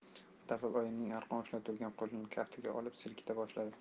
dallol oyimning arqon ushlab turgan qo'lini kaftiga olib silkita boshladi